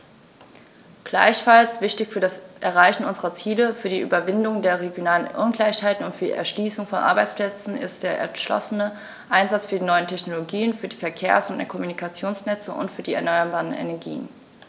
Gleichfalls wichtig für das Erreichen unserer Ziele, für die Überwindung der regionalen Ungleichheiten und für die Erschließung von Arbeitsplätzen ist der entschlossene Einsatz für die neuen Technologien, für die Verkehrs- und Kommunikationsnetze und für die erneuerbaren Energien.